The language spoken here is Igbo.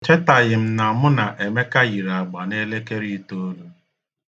Echetaghị m na mụ na Emeka yiri agba n'elekere itoolu.